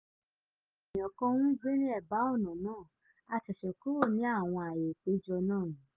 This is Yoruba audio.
Àwọn èèyàn kan ń gbé ní ẹ̀bá-ọ̀nà náà, a ṣẹ̀ṣẹ̀ kúrò ní àwọn àyè ìpéjọ náà ni.